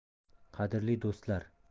qadrli do'stlar